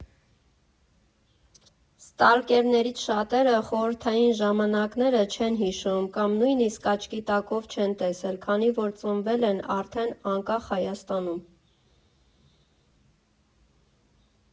Ստալկերներից շատերը խորհրդային ժամանակները չեն հիշում, կամ նույնիսկ աչքի տակով չեն տեսել, քանի որ ծնվել են արդեն անկախ Հայաստանում։